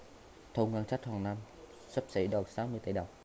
thu ngân sách hàng năm xấp xỉ đạt sáu mươi tỷ đồng